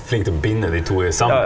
flink til å binde de to i sammen.